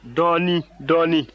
dɔɔnin dɔɔnin